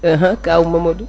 ahan kaw Mamadou